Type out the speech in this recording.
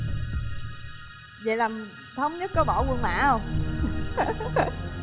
hai vậy là thống nhất có bỏ quân mã hông